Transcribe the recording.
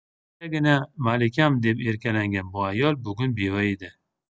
kechagina malikam deb erkalangan bu ayol bugun beva edi